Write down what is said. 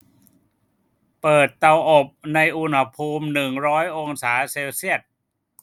เปิดเตาอบในอุณหภูมิหนึ่งร้อยองศาเซลเซียส